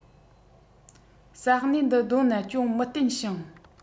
ས གནས འདི རྡོ ན ཅུང མི བརྟན ཞིང